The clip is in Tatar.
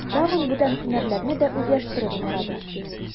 Тагын бүтән һөнәрләрне дә үзләштереп карады.